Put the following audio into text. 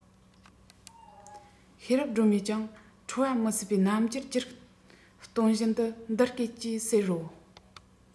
ཤེས རབ སྒྲོལ མས ཀྱང ཁྲོ བ མི ཟད པའི རྣམ འགྱུར ཅི རིགས སྟོན བཞིན དུ འདི སྐད ཅེས ཟེར རོ